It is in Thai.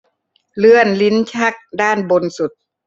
เลื่อนลิ้นชักด้านบนสุด